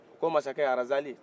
ko masakɛ razali